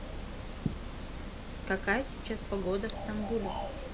какая сейчас погода в стамбуле